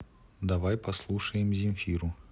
давай послушаем земфиру